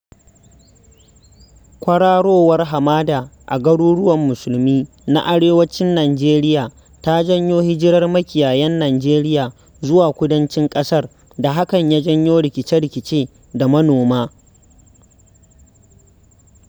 Kwararowar hamada a garuruwan Musulmi na arewacin Nijeriya ta janyo hijirar makiyayan Nijeriya zuwa kudancin ƙasar da hakan ya janyo rikice-rikice da manoma,